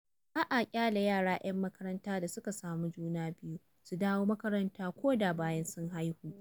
Ba a ƙyale yara 'yan makaranta da suka samu juna biyu su dawo makaranta ko da bayan sun haihu.